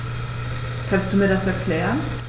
Kannst du mir das erklären?